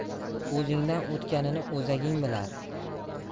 o'zingdan o'tganni o'zaging bilar